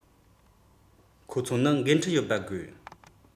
ཁོ ཚོ ནི འགན འཁྲི ཡོད པ དགོས